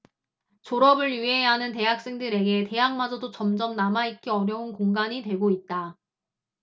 졸업을 유예하는 대학생들에게 대학마저도 점점 남아 있기 어려운 공간이 되고 있다